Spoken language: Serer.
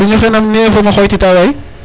siriñ oxe nam ne'e fo mam o xooytitaa waay ?